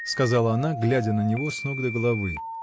— сказала она, глядя на него с ног до головы.